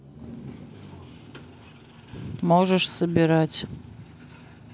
можешь собирать